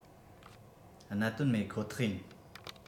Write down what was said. གནད དོན མེད ཁོ ཐག ཡིན